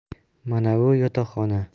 mana bu yotoqxona